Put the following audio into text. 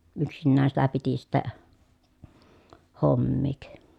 yksinään sitä piti sitten hommia